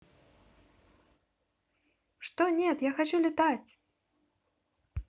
что нет я хочу летать